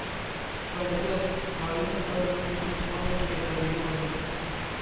-гализат, мализатларыңның чуртыма да кирәкләре юк аның.